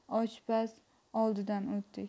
oshpaz oldidan o'tdik